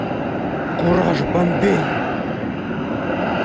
кураж бомбей